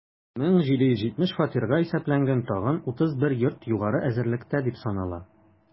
1770 фатирга исәпләнгән тагын 31 йорт югары әзерлектә дип санала.